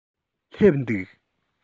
སླེབས འདུག